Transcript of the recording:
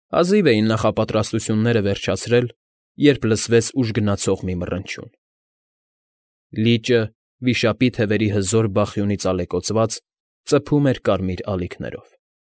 Հազիվ էին նախապատրաստությունները վերջացրել, երբ լսվեց ուժգնացող մի մռնչյուն. լիճը, վիշապի թևերի հզոր բախյունից ալեկոծված, ծփում էր կարմիր ալիքներով։